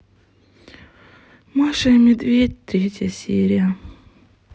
маша и медведь третья серия